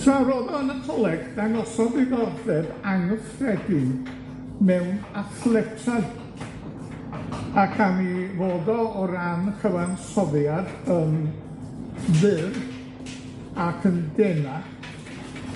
Tra ro'dd o yn y coleg, dangosodd ddiddordeb anghyffredin mewn athletau ac am 'i fod o o ran cyfansoddiad yn fyr ac yn dena',